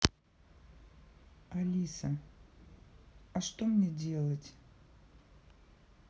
алиса а что мне делать